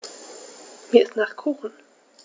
Mir ist nach Kuchen.